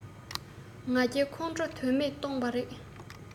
ང རྒྱལ ཁོང ཁྲོ དོན མེད སྟོང པ རེད